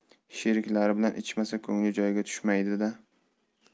sheriklari bilan ichmasa ko'ngli joyiga tushmaydi da